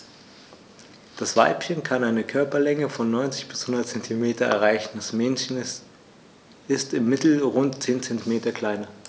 Das Weibchen kann eine Körperlänge von 90-100 cm erreichen; das Männchen ist im Mittel rund 10 cm kleiner.